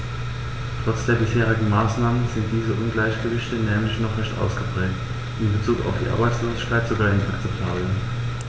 Trotz der bisherigen Maßnahmen sind diese Ungleichgewichte nämlich noch recht ausgeprägt, in bezug auf die Arbeitslosigkeit sogar inakzeptabel.